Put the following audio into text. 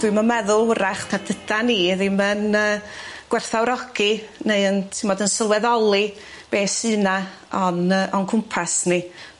Dwi'm yn meddwl 'w'rach nad ydan ni ddim yn yy gwerthfawrogi neu yn t'mod yn sylweddoli be' sy' 'na o'n yy o'n cwmpas ni.